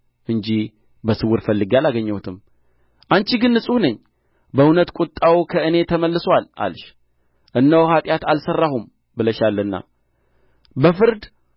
እንጂ በስውር ፈልጌ አላገኘሁትም አንቺ ግን ንጹሕ ነኝ በእውነት ከወጣው ከእኔ ተመልሶአል አልሽ እነሆ ኃጢአት አልሠራሁም ብለሻልና በፍርድ